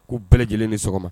Ko bɛɛ lajɛlen ni sɔgɔma